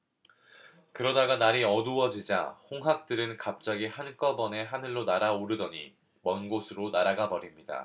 그러다가 날이 어두워지자 홍학들은 갑자기 한꺼번에 하늘로 날아오르더니 먼 곳으로 날아가 버립니다